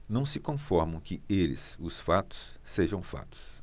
não se conformam que eles os fatos sejam fatos